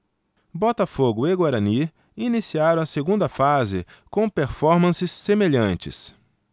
botafogo e guarani iniciaram a segunda fase com performances semelhantes